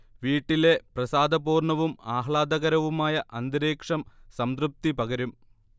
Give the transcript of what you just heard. വീട്ടിലെ പ്രസാദപൂർണവും ആഹ്ലാദകരവുമായ അന്തരീക്ഷം സംതൃപ്തി പകരും